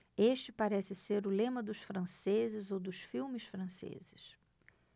este parece ser o lema dos franceses ou dos filmes franceses